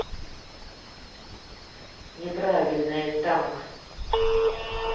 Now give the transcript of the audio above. неправильная там